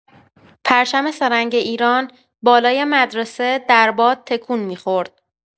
پرچم سه‌رنگ ایران بالای مدرسه در باد تکون می‌خورد.